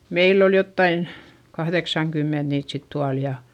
meillä oli jotakin kahdeksankymmentä niitä sitten tuolla ja